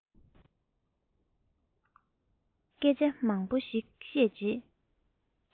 སྐད ཆ མང པོ ཞིག བཤད རྗེས